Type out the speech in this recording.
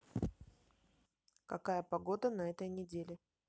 какая погода на этой неделе